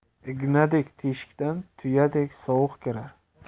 ignadek teshikdan tuyadek sovuq kirar